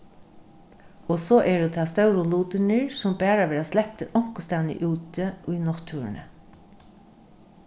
og so eru tað stóru lutirnir sum bara vera sleptir onkustaðni úti í náttúruni